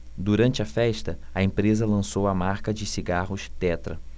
durante a festa a empresa lançou a marca de cigarros tetra